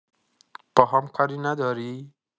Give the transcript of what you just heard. باهام کاری نداری؟